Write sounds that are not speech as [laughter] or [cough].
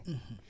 [hesitation] [hesitation]